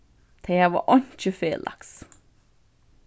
tey hava einki felags